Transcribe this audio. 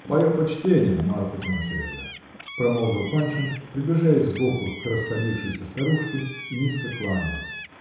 -- Мое почтение, Марфа Тимофеевна, -- промолвил Паншин, приближаясь сбоку к расходившейся старушке и низко кланяясь.